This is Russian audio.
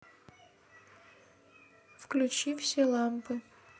включи все лампы